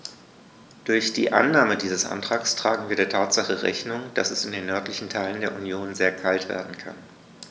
Durch die Annahme dieses Antrags tragen wir der Tatsache Rechnung, dass es in den nördlichen Teilen der Union sehr kalt werden kann.